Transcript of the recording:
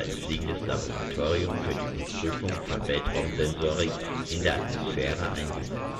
fliegendes Laboratorium für die Überprüfung von Weltraum-Sensorik in der Atmosphäre eingesetzt